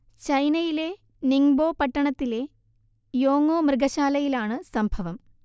ചൈനയിലെ നിങ്ബോ പട്ടണത്തിലെ യോങോ മൃഗശാലയിലാണ് സംഭവം